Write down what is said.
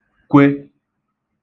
kwe